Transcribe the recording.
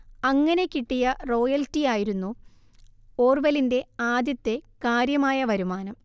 അങ്ങനെ കിട്ടിയ റോയൽറ്റി ആയിരുന്നു ഓർവെലിന്റെ ആദ്യത്തെ കാര്യമായ വരുമാനം